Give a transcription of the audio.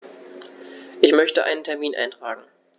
Ich möchte einen Termin eintragen.